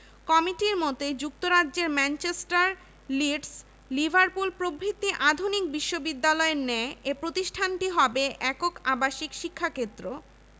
Dhaka college Jagannath college Mohammedan college women's কলেজসহ সাতটি college এ বিশ্ববিদ্যালয়ের আওতায় থাকবে কলা ও বিজ্ঞান বিভাগে স্নাতকোত্তর শিক্ষাসহ আইন